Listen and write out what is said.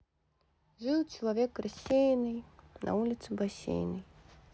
жил человек рассеянный на улице бассейной